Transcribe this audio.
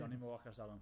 Johnny Moch ers dalwm.